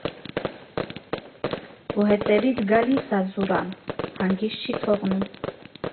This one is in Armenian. Ու հետևից գալի՜ս ա Զուրան, հանգիստ չի թողնում։